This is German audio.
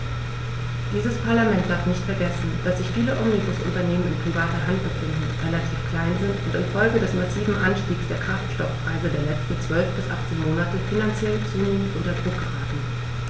Dieses Parlament darf nicht vergessen, dass sich viele Omnibusunternehmen in privater Hand befinden, relativ klein sind und in Folge des massiven Anstiegs der Kraftstoffpreise der letzten 12 bis 18 Monate finanziell zunehmend unter Druck geraten.